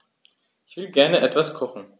Ich will gerne etwas kochen.